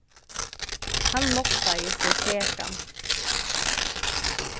hann noktaði seg sekan